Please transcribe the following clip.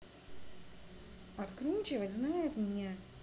откручивать знает меня